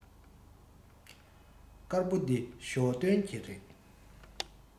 དཀར པོ འདི ཞའོ ཏོན གྱི རེད